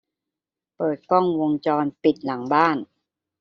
เปิดกล้องวงจรปิดหลังบ้าน